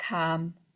calm